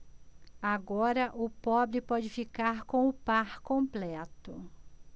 agora o pobre pode ficar com o par completo